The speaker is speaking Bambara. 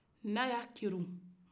n'a ya fili